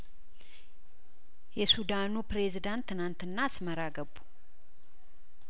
የሱዳኑ ፕሬዝዳንት ትናንትና አስመራ ገቡ